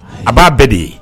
A b'a bɛɛ de ye